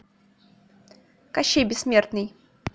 кощей бессмертный